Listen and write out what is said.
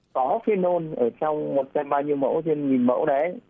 có phê nôn ở trong một trăm bao nhiêu mẫu trên nghìn mẫu đấy